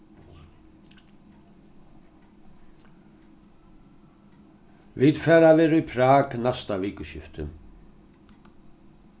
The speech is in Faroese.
vit fara at vera í prag næsta vikuskifti